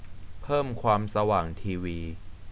เพิ่มความสว่างทีวี